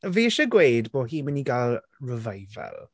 Fi isie gweud bo' hi'n mynd i gael revival.